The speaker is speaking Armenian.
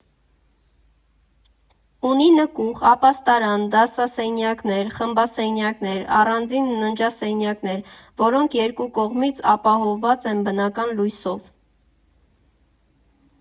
Ունի նկուղ, ապաստարան, դասասենյակներ, խմբասենյակներ, առանձին ննջասենյակներ, որոնք երկու կողմից ապահովված են բնական լույսով։